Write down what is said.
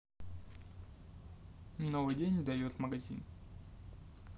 новый день дает магазин